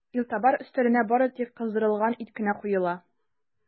Илтабар өстәленә бары тик кыздырылган ит кенә куела.